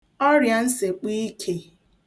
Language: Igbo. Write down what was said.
ọrị̀ansèkpọikè